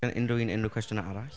Gan unrhyw un unrhyw cwestiynau arall?